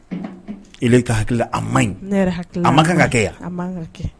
Ha hakili a ma ɲi a ma kan ka kɛ yan